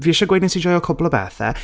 Fi isie gweud wnes i joio cwpl o bethe